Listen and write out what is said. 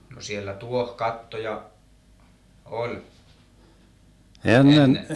no siellä tuohikattoja oli ennen